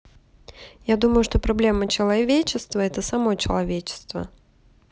я думаю что проблема человечества это само человечество